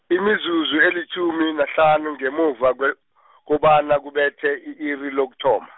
imizuzu elitjhumi nahlanu ngemuva kwe , kobana kubethe i-iri lokuthoma.